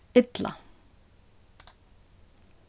illa